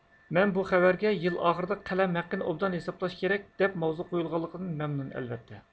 مەن بۇ خەۋەرگە يىل ئاخىرىدا قەلەم ھەققىنى ئوبدان ھېسابلاش كېرەك دەپ ماۋزۇ قويۇلغانلىقىدىن مەمنۇن ئەلۋەتتە